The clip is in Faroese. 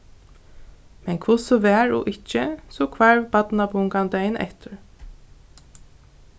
men hvussu var og ikki so hvarv barnabungan dagin eftir